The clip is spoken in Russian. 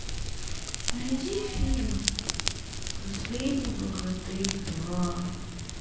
найди фильм последний богатырь два